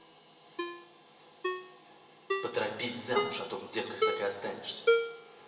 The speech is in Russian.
поторопись замуж а то в девках так и останешься